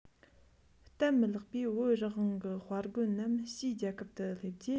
སྟབས མི ལེགས པའི བོད རང དབང གི དཔའ རྒོད རྣམས ཕྱིའི རྒྱལ ཁབ དུ སླེབས རྗེས